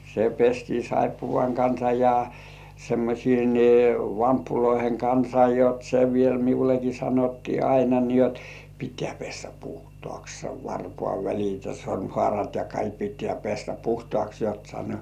se pestiin saippuan kanssa ja semmoisten vamppujen kanssa jotta se vielä minullekin sanottiin aina niin jotta pitää pestä puhtaaksi sen varpaanvälit ja sormihaarat ja kaikki pitää pestä puhtaaksi jotta sanoi